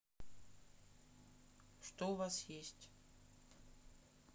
что у вас есть